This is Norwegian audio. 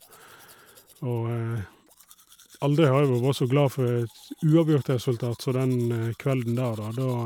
Og aldri har jeg vel vore så glad for et uavgjort-resultat som den kvelden der, da, da...